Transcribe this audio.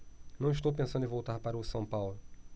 não estou pensando em voltar para o são paulo